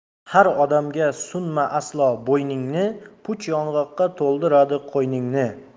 har odamga sunma aslo bo'yningni puch yong'oqqa to'ldiradi qo'yningni